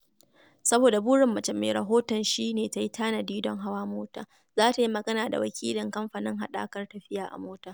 Saboda burin macen mai rahoton shi ne ta yi tanadi don hawa mota, za ta yi magana da wakilin kamfanin haɗakar tafiya a mota